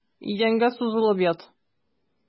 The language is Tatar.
Идәнгә сузылып ят.